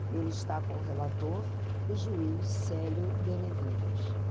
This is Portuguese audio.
ele está com o relator o juiz célio benevides